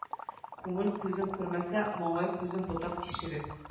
Күңел күзең күрмәсә маңгай күзең ботак тишеге